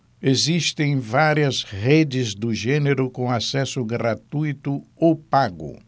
existem várias redes do gênero com acesso gratuito ou pago